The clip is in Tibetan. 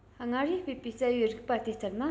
སྔར ཡུལ སྤོས པའི རྩ བའི རིགས པ དེ ལྟར ན